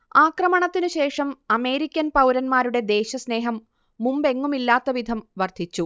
ആക്രമണത്തിനു ശേഷം അമേരിക്കൻ പൗരന്മാരുടെ ദേശസ്നേഹം മുമ്പെങ്ങുമില്ലാത്ത വിധം വർദ്ധിച്ചു